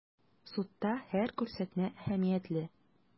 Судта һәр күрсәтмә әһәмиятле.